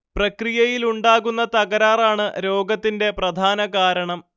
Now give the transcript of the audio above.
പ്രക്രിയയിലുണ്ടാകുന്ന തകരാർ ആണ് രോഗത്തിന്റെ പ്രധാനകാരണം